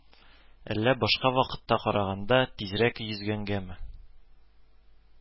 Әллә башка вакытка караганда тизрәк йөзгәнгәме